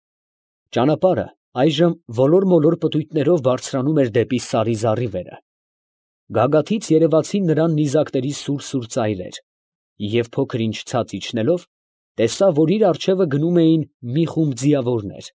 Ճանապարհը այժմ ոլոր֊մոլոր պտույտներով բարձրանում էր դեպի սարի զառիվերը. գագաթից երևացին նրան նիզակների սուր֊սուր ծայրեր, և փոքր ինչ ցած իջնելով, տեսավ, որ իր առջևը գնում էին մի խումբ ձիավորներ։